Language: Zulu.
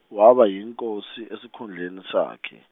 waba yinkosi esikhundleni sakhe.